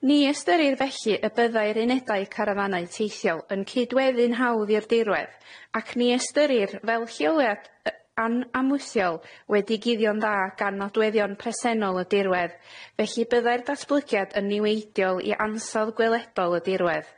Ni ystyrir felly y byddai'r unedau carafanau teithiol yn cydweddu'n hawdd i'r dirwedd, ac ni ystyrir fel lleoliad y- an- amwthiol wedi guddio'n dda gan nodweddion presennol y dirwedd, felly byddai'r datblygiad yn niweidiol i ansawdd gweledol y dirwedd.